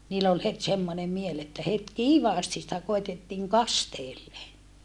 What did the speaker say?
niillä oli heti semmoinen mieli että heti kiivaasti sitä koetettiin kasteelle